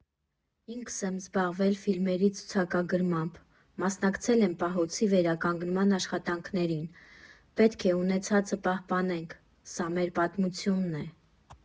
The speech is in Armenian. Ինքս եմ զբաղվել ֆիլմերի ցուցակագրմամբ, մասնակցել եմ պահոցի վերականգնման աշխատանքներին։ Պետք է ունեցածը պահպանենք, սա մեր պատմությունն է։